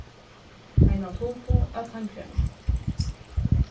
eina tupu av tannkremi